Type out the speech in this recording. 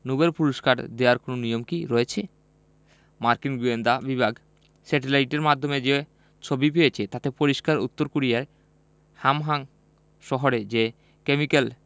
Nobel পুরস্কার দেওয়ার কোনো নিয়ম কি রয়েছে মার্কিন গোয়েন্দা বিভাগ স্যাটেলাইটের মাধ্যমে যে ছবি পেয়েছে তাতে পরিষ্কার উত্তর কোরিয়ার হামহাং শহরে যে কেমিক্যাল